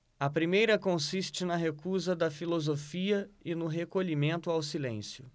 a primeira consiste na recusa da filosofia e no recolhimento ao silêncio